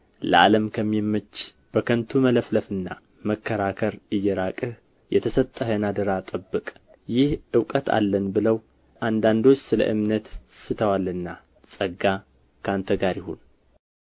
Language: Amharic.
ለዓለም ከሚመች ከከንቱ መለፍለፍና መከራከር እየራቅህ የተሰጠህን አደራ ጠብቅ ይህ እውቀት አለን ብለው አንዳንዶች ስለ እምነት ስተዋልና ጸጋ ከአንተ ጋር ይሁን